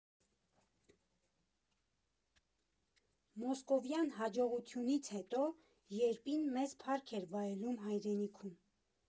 Մոսկովյան հաջողությունից հետո ԵրՊԻ֊ն մեծ փառք էր վայելում հայրենիքում։